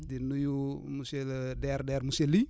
di nuyu monsieur le DRDR monsieur Ly